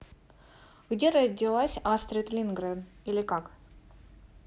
где родилась астрид лингрен или как